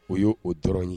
O y'o o dɔrɔn ye